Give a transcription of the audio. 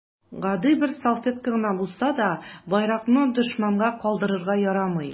Гади бер салфетка гына булса да, байракны дошманга калдырырга ярамый.